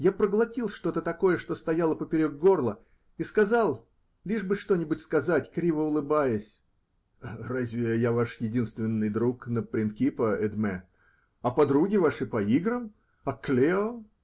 Я проглотил что-то такое, что стояло поперек горла, и сказал, лишь бы что-нибудь сказать, криво улыбаясь: -- Разве я ваш единственный друг на Принкипо, Эдмэ? А подруги ваши по играм? А Клео?